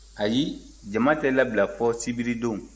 ayi jama tɛ labila fɔ sibiridon